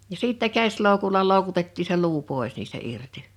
ja sitten käsiloukulla loukutettiin se luu pois niistä irti